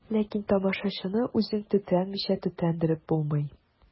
Ләкин тамашачыны үзең тетрәнмичә тетрәндереп булмый.